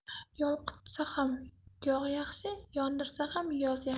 yolqitsa ham yog' yaxshi yondirsa ham yoz yaxshi